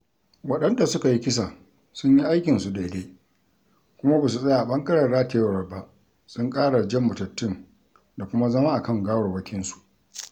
Waɗanda suka yi kisan sun yi aikinsu daidai, kuma ba su tsaya a ɓangaren ratayewar ba, sun ƙara da jan matattun da kuma zama a kan gawarwakinsu.